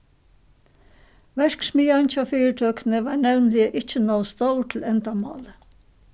verksmiðjan hjá fyritøkuni var nevniliga ikki nóg stór til endamálið